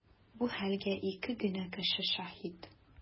Бу хәлгә ике генә кеше шаһит.